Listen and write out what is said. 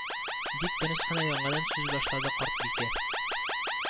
Дип тыныч кына яңадан сүз башлады карт бикә